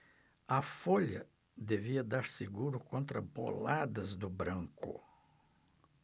a folha devia dar seguro contra boladas do branco